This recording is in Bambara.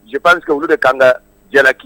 Jiprisi olu de kan ka jalaki